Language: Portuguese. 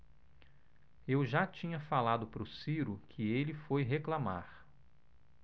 eu já tinha falado pro ciro que ele foi reclamar